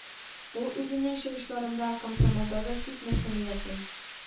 Ул үзенең чыгышларында комсомолдагы күп нәрсәне яклый